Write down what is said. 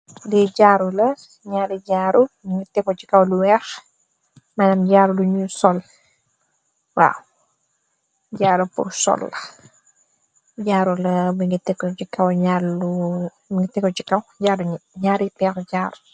Li jaru la nyarri jaru nyungi teguh si kaw lu weex manam jaru bu nyu sul la waw jaru pur sul la nyarri peri jaru la.